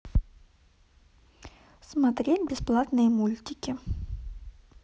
смотреть бесплатные мультики